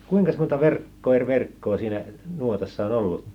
kuinkas monta verkkoa eri verkkoa siinä nuotassa on ollut